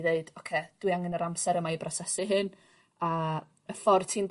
ddeud ocê dwi angan yr amser yma i brosesu hyn a y ffordd ti'n